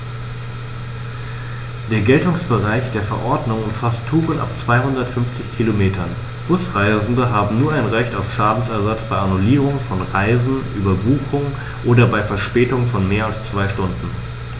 Der Geltungsbereich der Verordnung umfasst Touren ab 250 Kilometern, Busreisende haben nun ein Recht auf Schadensersatz bei Annullierung von Reisen, Überbuchung oder bei Verspätung von mehr als zwei Stunden.